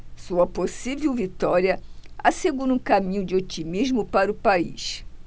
sua possível vitória assegura um caminho de otimismo para o país